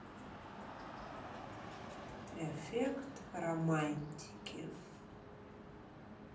эффект романтики